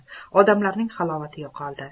odamlarning halovati yo'qoldi